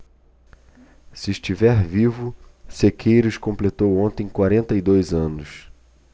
se estiver vivo sequeiros completou ontem quarenta e dois anos